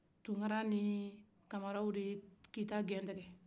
tunkara ni kamaraw de ye kita gɛn tigɛ